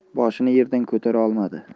boshini yerdan ko'tara olmadi